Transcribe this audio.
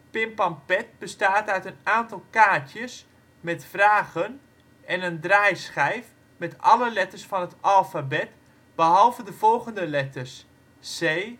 Pim-pam-pet bestaat uit een aantal kaartjes met vragen en een draaischijf met alle letters van het alfabet (behalve de volgende letters: C, J